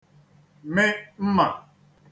mị mmà